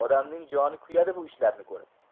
odamning joni kuyadi bu ishlarni ko'rib